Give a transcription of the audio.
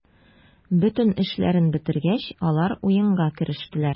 Бөтен эшләрен бетергәч, алар уенга керештеләр.